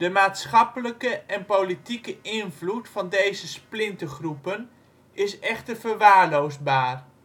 maatschappelijke en politieke invloed van deze splintergroepen is echter verwaarloosbaar